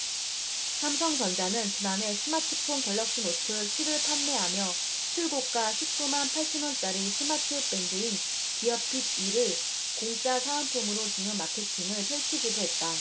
삼성전자는 지난해 스마트폰 갤럭시노트 칠 을 판매하며 출고가 십 구 만 팔천 원짜리 스마트밴드인 기어핏 이 를 공짜 사은품으로 주는 마케팅을 펼치기도 했다